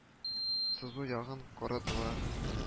Сызу ягын карадылар